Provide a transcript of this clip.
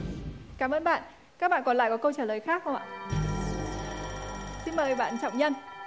cảm ơn bạn các bạn còn lại có câu trả lời khác không ạ xin mời bạn trọng nhân